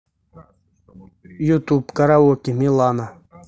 ютуб караоке милана